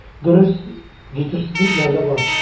Дөрес, җитешсезлекләр дә бар.